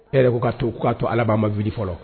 Ɛɛ u k'a to u k'a to Ala ba ma wili fɔlɔ